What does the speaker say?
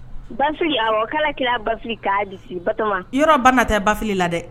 Ba akala kɛra basiri k'a di bama yɔrɔba tɛ bafi la dɛ